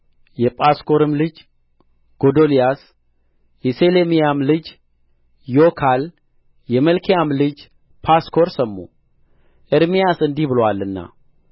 የጳስኮርም ልጅ ጎዶልያስ የሰሌምያም ልጅ ዮካል የመልክያም ልጅ ጳስኮር ሰሙ ኤርምያስ እንዲህ ብሎአልና